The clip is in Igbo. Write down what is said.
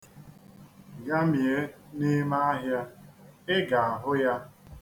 Gamie n'ime ahịa, ị ga-ahụ ya.